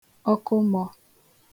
ọkụmọ̄ọ̄